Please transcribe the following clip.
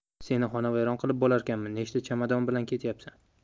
seni xonavayron qilib bo'larkanmi nechta chamadon bilan ketyapsan